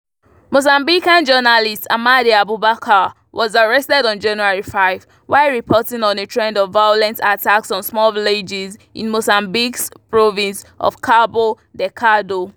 Mozambican journalist Amade Abubacar was arrested on January 5, while reporting on a trend of violent attacks on small villages in Mozambique's province of Cabo Delgado.